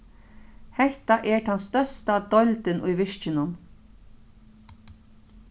hetta er tann størsta deildin í virkinum